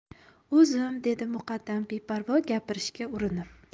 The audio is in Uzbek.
o'zim dedi muqaddam beparvo gapirishga urinib